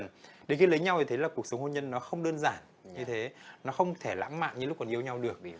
đến khi lấy nhau thì thấy là cuộc sống hôn nhân nó không đơn giản như thế nó không thể lãng mạn như lúc còn yêu nhau được